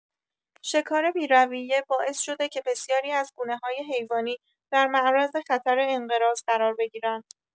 شکار بی‌رویه، باعث شده که بسیاری از گونه‌های حیوانی در معرض خطر انقراض قرار بگیرن.